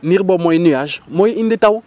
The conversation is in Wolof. niir boobu mooy nuage mooy indi taw